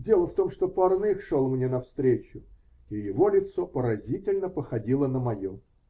Дело в том, что Парных шел мне навстречу, и его лицо поразительно походило на мое.